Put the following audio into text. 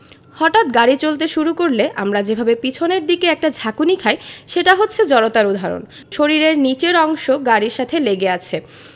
হঠাৎ গাড়ি চলতে শুরু করলে আমরা যেভাবে পেছনের দিকে একটা ঝাঁকুনি খাই সেটা হচ্ছে জড়তার উদাহরণ শরীরের নিচের অংশ গাড়ির সাথে লেগে আছে